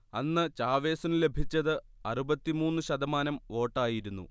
അന്ന് ചാവെസിനു ലഭിച്ചത് അറുപത്തി മൂന്ന് ശതമാനം വോട്ടായിരുന്നു